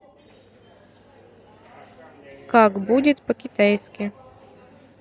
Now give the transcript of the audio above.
как будет по китайски